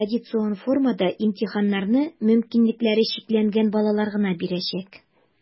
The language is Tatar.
Традицион формада имтиханнарны мөмкинлекләре чикләнгән балалар гына бирәчәк.